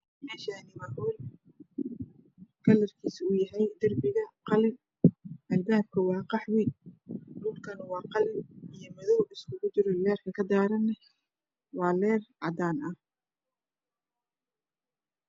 Mwshaani waa hool karkiisu uu yahay darpiaga qalin alpapka waa qaxi dhulkana waa qali iyo madow iskugu jiro leerka kadarana wa leer cadaana ah